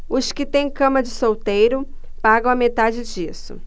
os que têm cama de solteiro pagam a metade disso